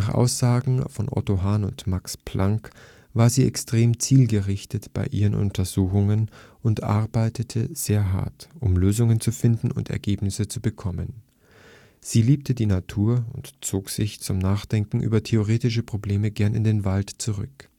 Aussagen von Otto Hahn und Max Planck war sie extrem zielgerichtet bei ihren Untersuchungen und arbeitete sehr hart, um Lösungen zu finden und Ergebnisse zu bekommen. Sie liebte die Natur und zog sich zum Nachdenken über theoretische Probleme gerne in den Wald zurück